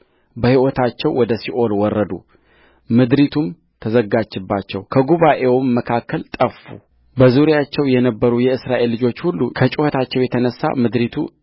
በሕይወታቸው ወደ ሲኦል ወረዱ ምድሪቱም ተዘጋችባቸው ከጉባኤውም መካከል ጠፉበዙሪያቸው የነበሩ የእስራኤል ልጆች ሁሉ ከጩኸታቸው የተነሣ ምድሪቱ